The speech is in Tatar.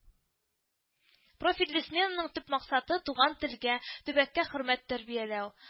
Профильле сменаның төп максаты – туган телгә, төбәккә хөрмәт тәрбияләү